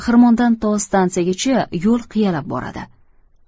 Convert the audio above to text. xirmondan to stansiyagacha yo'l qiyalab boradi